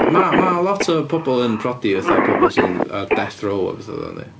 Ma'- ma' lot o pobl yn priodi, fatha pobol sydd ar death row a pethau fel 'na dydi?